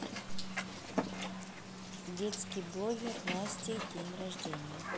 детский блогер насти день рождения